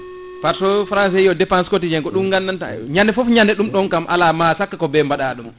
par ce français wi dépense quotidienne ko ɗum gandanta ñade foof ñade ɗum